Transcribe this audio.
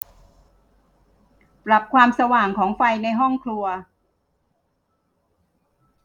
ปรับความสว่างของไฟในห้องครัว